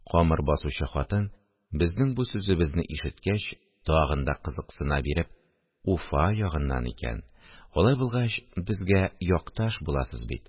Камыр басучы хатын, безнең бу сүзебезне ишеткәч, тагын да кызыксына биреп: – Уфа ягыннан икән!.. Алай булгач, безгә якташ буласыз бит